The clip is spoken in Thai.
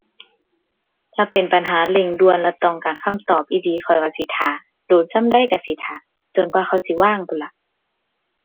ถ้าเป็นปัญหาเร่งด่วนแล้วต้องการคำตอบอีหลี ข้อยก็สิท่า โดนส่ำใดก็สิท่า จนกว่าเขาสิวางพู้นล่ะ